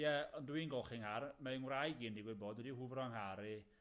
Ie, on' dwi'n golchi'n nghar, mae'n wraig i yn digwydd bod wedi hwfro'n nghar i